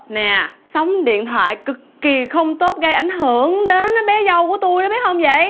nè sóng điện thoại cực kì không tốt gây ảnh hưởng đến bé dâu của tôi đấy biết hông dậy